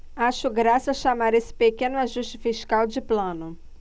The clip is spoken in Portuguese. acho graça chamar esse pequeno ajuste fiscal de plano